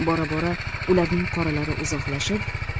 bora bora ularning qoralari uzoqlashib